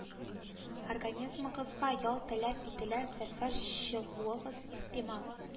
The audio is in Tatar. Организмыгызга ял таләп ителә сәфәр чыгуыгыз ихтимал